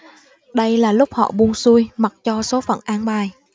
đây là lúc họ buông xuôi mặc cho số phận an bài